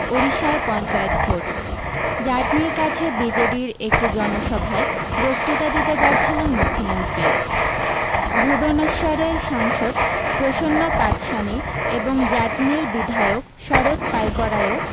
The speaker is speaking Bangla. ওড়িশায় পঞ্চায়েত ভোট জাটনির কাছে বিজেডির একটি জনসভায় বক্তৃতা দিতে যাচ্ছিলেন মুখ্যমন্ত্রী ভুবনেশ্বরের সাংসদ প্রসন্ন পাটসানি এবং জাটনির বিধায়ক শরত পাইকরায়ও